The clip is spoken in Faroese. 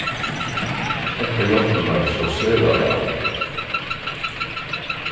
hetta hjálpir mær so sera væl